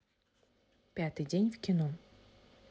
пятый день в кино